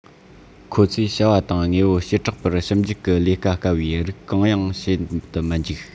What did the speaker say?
ཁོ ཚོས བྱ བ དང དངོས པོ བྱེ བྲག པར ཞིབ འཇུག གི ལས ཀ དཀའ བའི རིགས གང ཡང བྱེད དི མི འཇུག